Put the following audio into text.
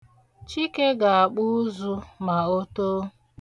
Chike ga-akpụ ụzụ ma o too.